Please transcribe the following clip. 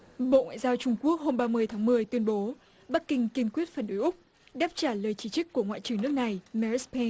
bộ ngoại giao trung quốc hôm ba mươi tháng mười tuyên bố bắc kinh kiên quyết phản đối úc đáp trả lời chỉ trích của ngoại trừ nước này me rít bi